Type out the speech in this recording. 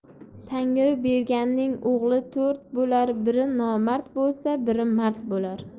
tangri berganning o'g'li to'rt bo'lar biri nomard bo'lsa biri mard bo'lar